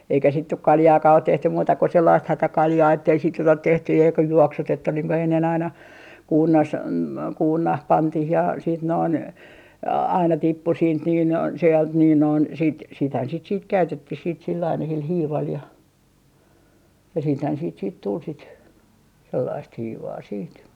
eikä sitten nyt kaljaakaan ole tehty muuta kuin sellaista hätäkaljaa että ei sitten nyt ole tehty ja joka juoksutettu niin kuin ennen aina kuurnassa kuurnaan pantiin ja sitten noin aina tippui siitä niin sieltä niin noin sitten sitähän sitä sitten käytettiin sillä aina sillä hiivalla ja ja sittenhän siitä siitä tuli sitä sellaista hiivaa sitten